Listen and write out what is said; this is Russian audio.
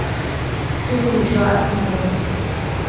ты ужасная